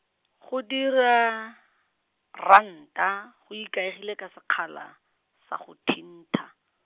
go dira, Ranta go ikaegile ka sekgala, sa go thintha.